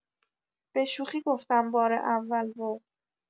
به‌شوخی گفتم بار اول رو